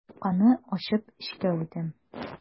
Капканы ачып эчкә үтәм.